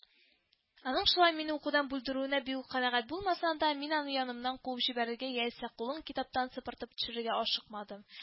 Аның шулай мине укудан бүлдерүенә бик үк канәгать булмасам да, мин аны янымнан куып җибәрергә яисә кулын китаптан сыпырып төшерергә ашыкмадым